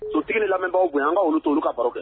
Sotigili lamɛnbagaw gɛn an ka oluolu to olulu ka baro kɛ